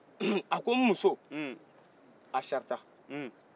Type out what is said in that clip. a ko n muso asarita